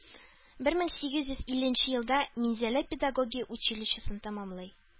Бер мең сигез йөз илленче елда Минзәлә педагогия училищесын тәмамлый